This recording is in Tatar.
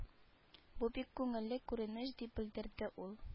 Бу бик күңелле күренеш дип белдерде ул